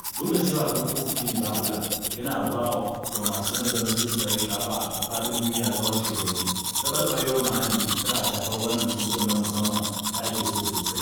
Duk da cewa tsuntsun Spiny Blabber yana ba wa masu nazarin tsuntsaye sha'awa a faɗin duniya tsawon shekaru, taɓarɓarewar muhalli tana shafar wannan tsuntsun na musamman da ake so sosai.